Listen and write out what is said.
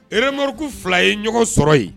Reɔririku fila ye ɲɔgɔn sɔrɔ yen